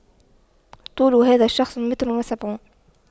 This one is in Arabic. طول هذا الشخص متر وسبعون